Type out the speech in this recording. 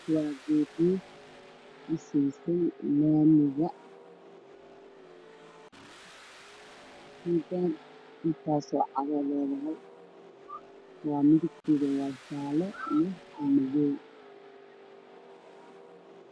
Waacagaf jaalo ah waxa ayleedahay afar cagood